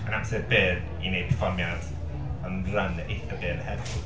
Yn amser byr i wneud perfformiad yn run eithaf byr hefyd.